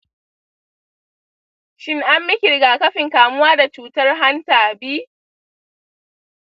shin an miki rigakafin kamuwa da cutar hanta b?